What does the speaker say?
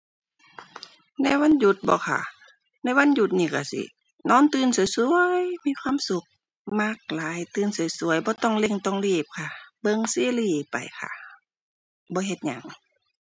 ในวันหยุดบ่ค่ะ ในวันหยุดนี่ก็สินอนตื่นก็ก็ มีความสุข มักหลายตื่นก็ก็ บ่ต้องเร่งต้องรีบค่ะ เบิ่งซีรีส์ไปค่ะ บ่เฮ็ดหยัง